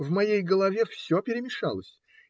В моей голове все перемешалось